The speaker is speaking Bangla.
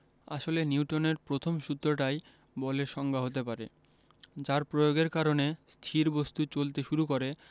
আসলে নিউটনের প্রথম সূত্রটাই বলের সংজ্ঞা হতে পারে যার প্রয়োগের কারণে স্থির বস্তু চলতে শুরু করে